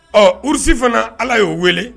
Ɔ hursi fana Ala yo wele.